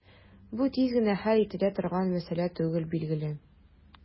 Бу тиз генә хәл ителә торган мәсьәлә түгел, билгеле.